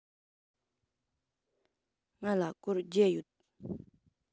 ང ལ སྒོར བརྒྱ ཡོད